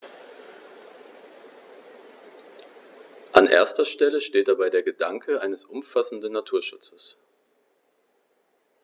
An erster Stelle steht dabei der Gedanke eines umfassenden Naturschutzes.